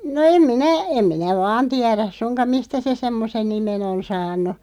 no en minä en minä vain tiedä suinkaan mistä se semmoisen nimen on saanut